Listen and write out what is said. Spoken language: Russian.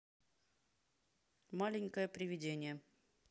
маленькое привидение